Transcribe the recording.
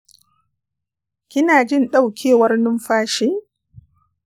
kina jin daukewar numfashi